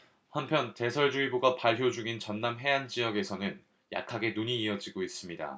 한편 대설주의보가 발효 중인 전남 해안 지역에서는 약하게 눈이 이어지고 있습니다